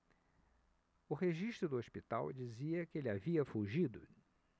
o registro do hospital dizia que ele havia fugido